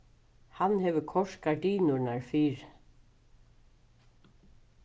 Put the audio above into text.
hann hevur koyrt gardinurnar fyri